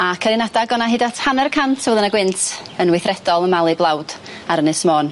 Ac yn un adag o 'na hyd at hanner cant o felyna gwynt yn weithredol yn malu blawd ar Ynys Môn.